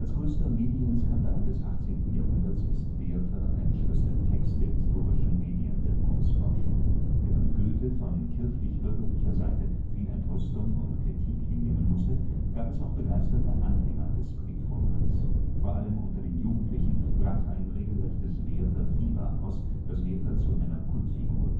größter Medienskandal des 18. Jahrhunderts ist Werther ein Schlüsseltext der historischen Medienwirkungsforschung. Während Goethe von kirchlich-bürgerlicher Seite viel Entrüstung und Kritik hinnehmen musste, gab es auch begeisterte Anhänger des Briefromans. Vor allem unter den Jugendlichen brach ein regelrechtes Werther-Fieber aus, das Werther zu einer Kultfigur